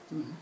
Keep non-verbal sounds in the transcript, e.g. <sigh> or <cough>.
<hesitation> <hesitation>